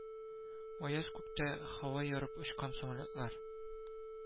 Аяз күктә һава ярып очкан самолетлар